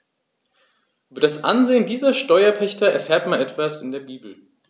Über das Ansehen dieser Steuerpächter erfährt man etwa in der Bibel.